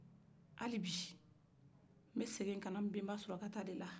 halibi n bɛ segin ka na n bɛnba surakata de la